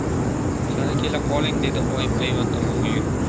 qani kela qoling dedi oyim ayvon tomonga yurib